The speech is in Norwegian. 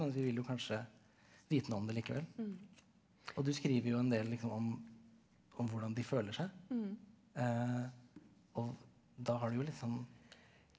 mens vi vil jo kanskje vite noe om det likevel og du skriver jo en del liksom om om hvordan de føler seg og da har du jo liksom.